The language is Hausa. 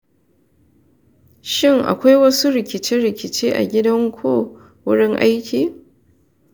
shin akwai wasu rikice-rikice a gida ko wurin aiki?